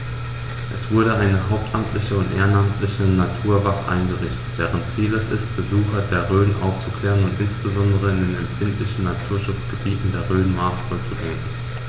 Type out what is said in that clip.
Es wurde eine hauptamtliche und ehrenamtliche Naturwacht eingerichtet, deren Ziel es ist, Besucher der Rhön aufzuklären und insbesondere in den empfindlichen Naturschutzgebieten der Rhön maßvoll zu lenken.